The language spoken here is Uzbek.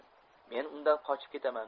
men undan qochib ketaman